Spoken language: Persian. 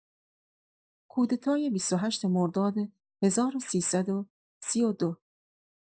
کودتای ۲۸ مرداد ۱۳۳۲